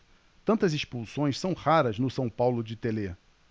tantas expulsões são raras no são paulo de telê